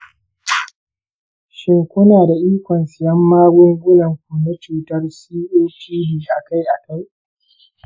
shin kuna da ikon siyan magungunanku na cutar copd a kai a kai?